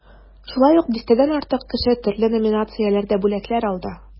Шулай ук дистәдән артык кеше төрле номинацияләрдә бүләкләр алды.